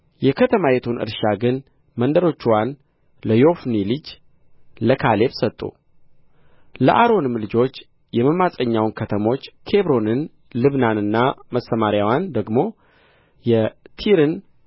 የከተማይቱን እርሻ ግን መንደሮችዋንም ለዮፎኒ ልጅ ለካሌብ ሰጡ ለአሮንም ልጆች የመማፀኛውን ከተሞች ኬብሮንን ልብናንና መሰምርያዋን ደግሞ የቲርን